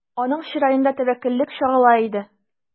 Аның чыраенда тәвәккәллек чагыла иде.